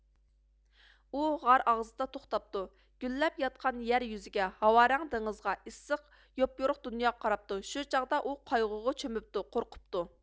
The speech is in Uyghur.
ئۇ غار ئاغزىدا توختاپتۇ گۈللەپ ياتقان يەر يۈزىگە ھاۋارەڭ دېڭىزغا ئىسسىق يوپيورۇق دۇنياغا قاراپتۇ شۇ چاغدا ئۇ قايغۇغا چۆمۈپتۇ قورقۇپتۇ